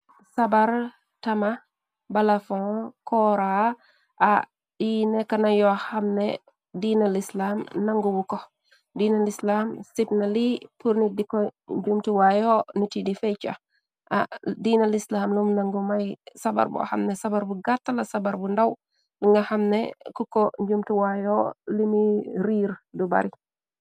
Sabar, tama, balafon, kora, yi nekk na yoo xamne diina Lislam nangu wu ko, diinal Lislam sipna li, pur nit di ko njumtuwaayo, niti di feyca, diinal islam lum nangu may sabar bu xamne sabar bu gàtta la sabar bu ndàw, lu nga xamne ku ko njumtuwaayoo limuy riir du bari.